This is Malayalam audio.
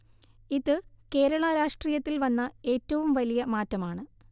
ഇത് കേരള രാഷ്ട്രീയത്തിൽ വന്ന ഏറ്റവും വലിയ മാറ്റമാണ്